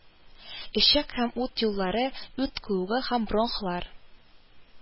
Эчәк һәм үт юллары, үт куыгы һәм бронхлар